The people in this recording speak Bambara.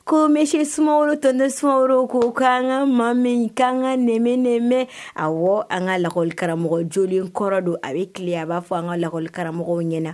Ko monsieur Soumaoro tonton Soumaoro ko an ŋa Mami k'an ŋ'a nenenene awɔ an ŋa lakɔli karamɔgɔ jolen kɔrɔ don a be tilen a b'a fɔ an ŋa lakɔli karamɔgɔw ɲɛna